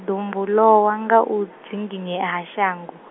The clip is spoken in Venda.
dumba lowa nga u , dzinginyea ha shango.